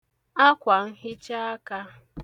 akwànhichaakā